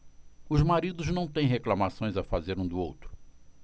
os maridos não têm reclamações a fazer um do outro